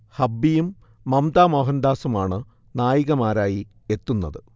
ഹബ്ബിയും മമ്ത മോഹൻദാസുമാണ് നായികമാരായി എത്തുന്നത്